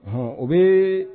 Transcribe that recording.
Ɔɔn o bɛ